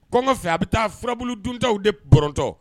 Kɔngɔ kɔfɛ a bɛ taa furabulu duntaw de btɔ